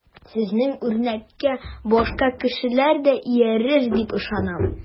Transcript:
Сезнең үрнәккә башка кешеләр дә иярер дип ышанам.